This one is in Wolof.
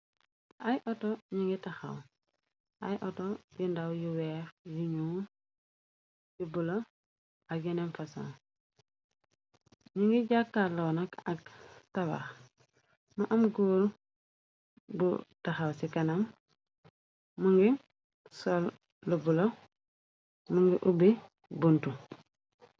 Ay auto ñungi taxaw ay auto yi ndaw yu weex yi ñuul ju bulo ak yeneem foson ñungi jàkkaarlo nak tabax mu am góor bu taxaw ci kanam mungi sol lu bulo mungi ubbi bunta.